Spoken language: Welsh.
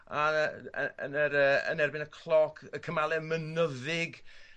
a yy y yn yr yy yn y erbyn y cloc y cymale mynyddig